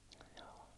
ja